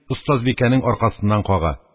Остазбикәнең аркасыннан кага.